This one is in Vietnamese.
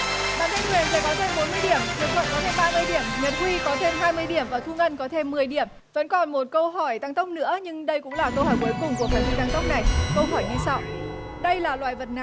bạn thanh huyền sẽ có thêm bốn mươi điểm hiệp thuận có thêm ba mươi điểm nhật huy có thêm hai mươi điểm và thu ngân có thêm mười điểm vẫn còn một câu hỏi tăng tốc nữa nhưng đây cũng là câu hỏi cuối cùng của phần thi tăng tốc này câu hỏi như sau đây là loài vật nào